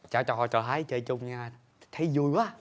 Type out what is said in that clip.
cho cho cho thái chơi chung nha thấy dui quá